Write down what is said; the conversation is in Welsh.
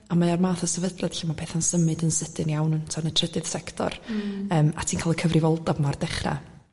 a mae o'r math o sefydliad lle ma' petha'n symud yn sydyn iawn t'wo yn y trydydd sector yym a ti'n ca'l y cyfrifoldeb 'ma o'r dechra